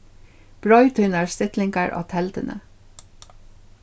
broyt tínar stillingar á telduni